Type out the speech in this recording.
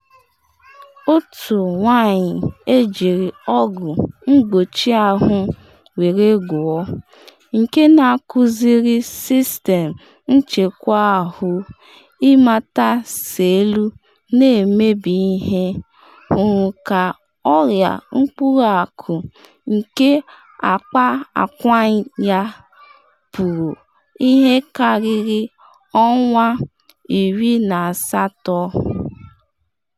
Otu nwanyị ejiri ọgwụ mgbochi ahụ were gwọ, nke na-akuziri sistem nchekwa ahụ ịmata selụ na-emebi ihe, hụrụ ka ọrịa mkpụrụ akụ nke akpa akwa ya pụrụ ihe karịrị ọnwa 18.